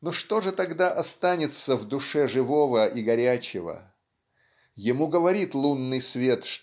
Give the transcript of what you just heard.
Но что же тогда останется в душе живого и горячего? Ему говорит лунный свет